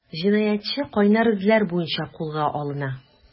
Җинаятьче “кайнар эзләр” буенча кулга алына.